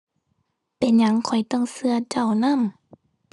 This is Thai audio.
เป็นหยังข้อยต้องเชื่อเจ้านำ